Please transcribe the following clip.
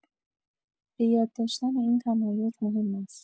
بۀاد داشتن این تمایز مهم است.